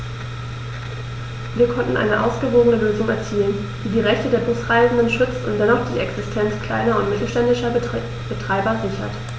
Wir konnten eine ausgewogene Lösung erzielen, die die Rechte der Busreisenden schützt und dennoch die Existenz kleiner und mittelständischer Betreiber sichert.